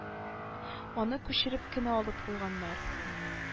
Аны күчереп кенә алып куйганнар